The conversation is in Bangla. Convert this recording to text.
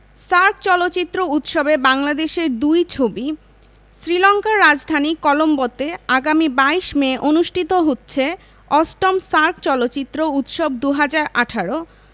সার্ক চলচ্চিত্র উৎসবে বাংলাদেশের দুই ছবি শ্রীলংকার রাজধানী কলম্বোতে আগামী ২২ মে অনুষ্ঠিত হচ্ছে ৮ম সার্ক চলচ্চিত্র উৎসব ২০১৮